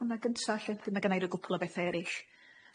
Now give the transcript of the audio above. Honna gynta lly a ma gennai ma genai rw gwpl o bethe erill.